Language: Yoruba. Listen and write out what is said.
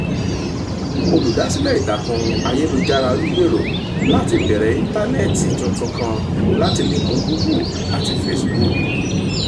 Olùdásílẹ Ìtàkùǹ Àyélujára ń gbèrò láti Bẹ̀rẹ̀ Íntánẹ̀ẹ̀tì Tuntun kan láti lé Mú Google àti Facebook